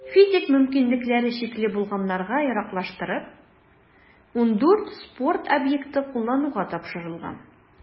Физик мөмкинлекләре чикле булганнарга яраклаштырып, 14 спорт объекты куллануга тапшырылган.